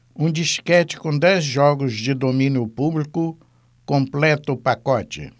um disquete com dez jogos de domínio público completa o pacote